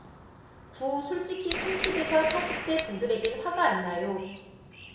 구 솔직히 삼십 에서 사십 대 분들에겐 화가 안 나요